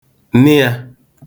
nịā